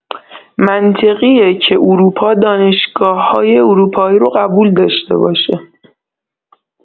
منطقیه که اروپا دانشگاه‌‌های اروپایی رو قبول داشته باشه